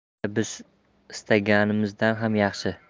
hujra biz istaganimizdan ham yaxshi